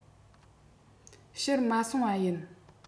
ཕྱིར མ སོང བ ཡིན